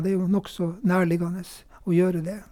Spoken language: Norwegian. Det er jo nokså nærliggende å gjøre det.